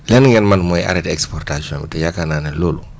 lenn ngeen mën mooy arrêté exportation bi te yaakaar naa loolu